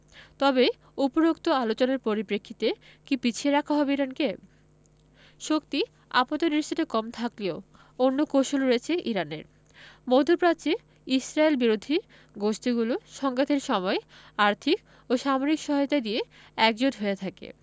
তবে উপরোক্ত আলোচনার পরিপ্রেক্ষিতে কি পিছিয়ে রাখা হবে ইরানকে শক্তি আপাতদৃষ্টিতে কম থাকলেও অন্য কৌশল রয়েছে ইরানের মধ্যপ্রাচ্যে ইসরায়েলবিরোধী গোষ্ঠীগুলো সংঘাতের সময় আর্থিক ও সামরিক সহায়তা দিয়ে একজোট হয়ে থাকে